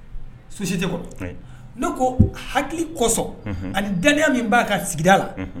Susi ne ko hakili kosɔn ani dalenya min b'a ka sigida la